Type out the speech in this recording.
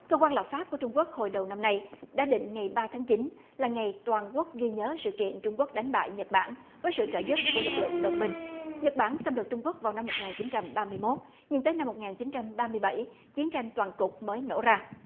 cơ quan lập pháp của trung quốc hồi đầu năm nay đã định ngày ba tháng chín là ngày toàn quốc ghi nhớ sự kiện trung quốc đánh bại nhật bản với sự trợ giúp của lực lượng đồng minh nhật bản xâm lược trung quốc vào năm một ngàn chín trăm ba mươi mốt nhưng tới năm một ngàn chín trăm ba mươi bảy chiến tranh toàn cục mới nổ ra